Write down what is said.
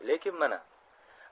lekin mana